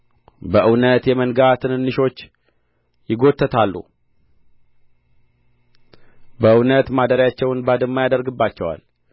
በእውነት የመንጋ ትናንሾች ይጎተታሉ በእውነት ማደሪያቸውን ባድማ ያደርግባቸዋል